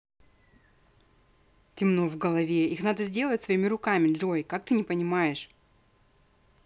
темно в голове их надо сделать своими руками джой как ты не понимаешь